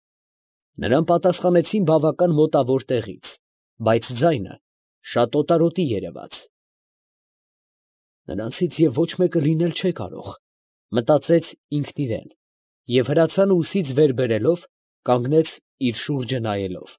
Նրան պատասխանեցին բավական մոտավոր տեղից, բայց ձայնը շատ օտարոտի երևաց։ «Նրանցից և ոչ մեկը լինել չէ կարող», ֊ մտածեց ինքնիրան, և հրացանը ուսից վեր բերելով, կանգնեց, իր շուրջը նայելով։